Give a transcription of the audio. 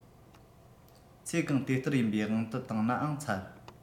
ཚེ གང དེ ལྟར ཡིན པའི དབང དུ བཏང ནའང ཚར